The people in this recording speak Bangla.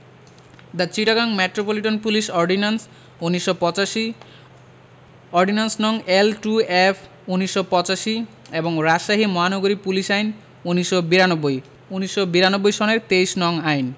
The Chittagong metropolitan police ordinance ১৯৮৫ ordinance. নং. এল টু অফ ১৯৮৫ এবং রাজশাহী মহানগরী পুলিশ আইন ১৯৯২ ১৯৯২ সনের ২৩ নং আইন